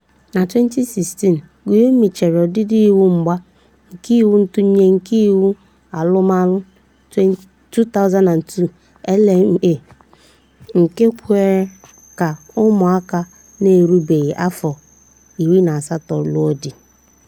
Na 2016, Gyumi chere ọdịdị iwu mgba nke Iwu Ntụnye nke Iwu Alụmalụ, 2002 (LMA) nke kwere ka ụmụ nwaanyị na-erubeghị afọ 18 lụọ di.